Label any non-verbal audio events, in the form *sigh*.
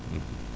*hesitation* *hesitation*